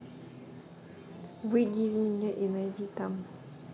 выйди из меню и найди там